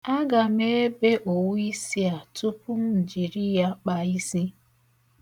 Aga m ebe owu isi a tupu m jiri ya kpaa isi.